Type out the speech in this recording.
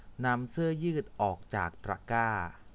นำเสื้อยืดออกจากตะกร้า